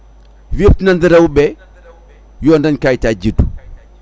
hebtunande rewɓe ɓe yo dañ kayitaji juddu